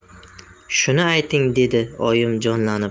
shuni ayting dedi oyim jonlanib